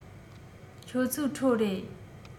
ཁྱོད ཚོས ཁྲོད རེད